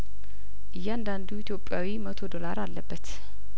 እያንዳንዱ ኢትዮጵያዊ መቶ ዶላር አለበት